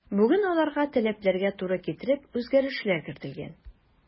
Бүген аларга таләпләргә туры китереп үзгәрешләр кертелгән.